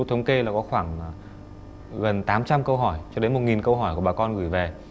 thống kê là có khoảng gần tám trăm câu hỏi cho đến một nghìn câu hỏi của bà con gửi về